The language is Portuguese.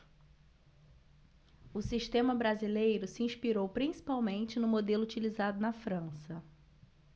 o sistema brasileiro se inspirou principalmente no modelo utilizado na frança